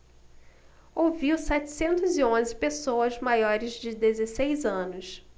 ouviu setecentos e onze pessoas maiores de dezesseis anos